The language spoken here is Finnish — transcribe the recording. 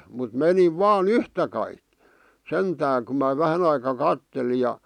mutta menin vain yhtä kaikki sentään kun minä vähän aikaa katselin ja